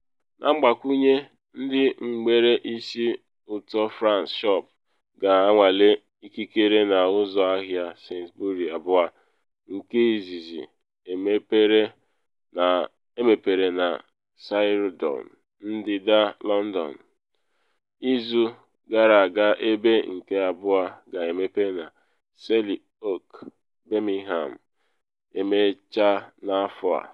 Na mgbakwunye, ndị mgbere isi ụtọ Fragrance Shop ga-anwale ikikere n’ụlọ ahịa Sainsbury abụọ, nke izizi emepere na Croydon, ndịda London, izu gara aga ebe nke abụọ ga-emepe na Selly Oak, Birmingham, emechaa n’afọ a.